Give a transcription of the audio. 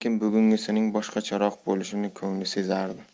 lekin bugungisining boshqacharoq bo'lishini ko'ngli sezardi